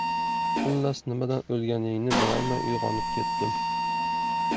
xullas nimadan o'lganingni bilolmay uyg'onib ketdim